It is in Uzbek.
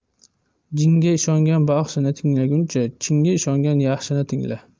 jinga ishongan baxshini tinglaguncha chinga ishongan yaxshini tingla